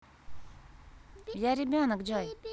я ребенок джой